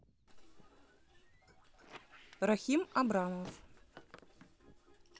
рахим абрамов